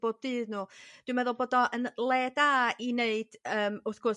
bob dydd n'w. Dwi'n meddwl bod o yn le da i 'neud yym wrth gwrs